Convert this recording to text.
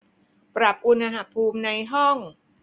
ปรับอุณหภูมิในห้อง